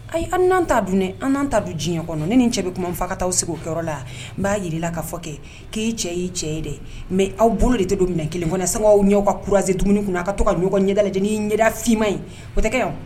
Anan ta dun an ta don diɲɛ kɔnɔ ni ni cɛ bɛ kuma n fa ka taaaw sigi o la n b'a jira ila ka fɔ kɛ k'i cɛ y' cɛ ye dɛ mɛ aw bolo de tɛ don minɛ kelen kɔnɔ san ɲɛaw ka kuruze dumuniini kunna na a ka to ka ɲɔgɔn ɲɛdaladen ɲɛda'ma in o tɛ kɛ yan